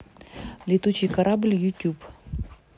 летучий корабль ютуб